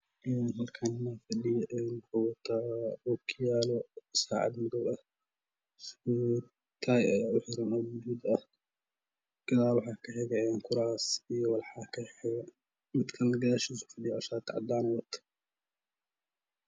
Ee halkaan ninaa fadhiyo waxa uu wadaa ookiyaalo saacad madow ah tay ayaa u xiran gaduud ah gadaal waxaa ka xigo kuraas iyo waxaa ka xi xigo mid kalene gadaashiisa fadhiyaa shaati cad wata.